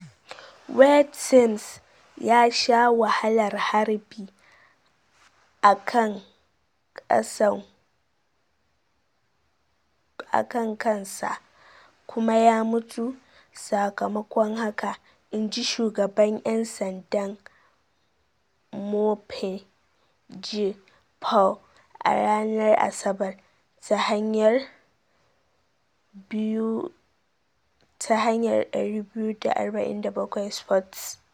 "Wayde Sims ya sha wahalar harbi a kan kansa kuma ya mutu sakamakon haka," in ji shugaban 'yan sandan Murphy J. Paul a ranar Asabar, ta hanyar 247sports.